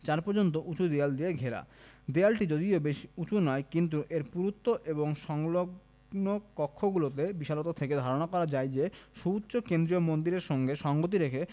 ৪ metre উঁচু দেয়াল দিয়ে ঘেরা দেয়ালটি যদিও বেশি উঁচু না কিন্তু এর পুরুত্ব এবং সংলগ কক্ষগুলোর বিশালতা থেকে ধারণা করা যায় যে সুউচ্চ কেন্দ্রীয় মন্দিরের সাথে সঙ্গতি রেখে